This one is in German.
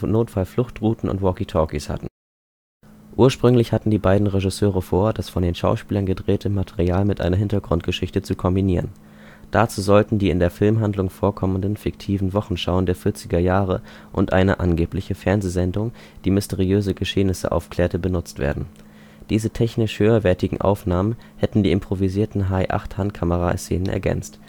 Notfall „ Fluchtrouten “und Walkie-Talkies hatten. Ursprünglich hatten die beiden Regisseure vor, das von den Schauspielern gedrehte Material mit einer Hintergrundgeschichte zu kombinieren. Dazu sollten die in der Filmhandlung vorkommenden fiktiven Wochenschauen der Vierziger Jahre und eine (angebliche) Fernsehsendung, die mysteriöse Geschehnisse aufklärte, benutzt werden. Diese technisch höherwertigen Aufnahmen hätten die improvisierten Hi-8-Handkamera-Szenen ergänzt